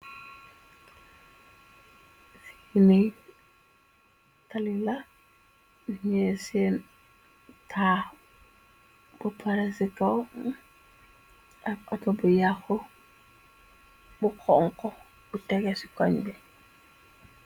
Fii nii talli la ñoo seen, taax bu paré si kow ak otto bu yaxxu bu xonxo bu tegge ci koñ bi.